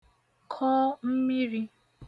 kọ mmirī